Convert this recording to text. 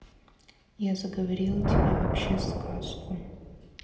я заговорила тебе вообще сказку